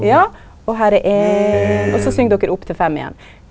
ja og her er ein, og så syng dokker opp til fem igjen.